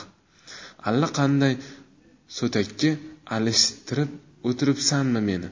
allaqanday so'takka alishtirib o'tiribsanmi meni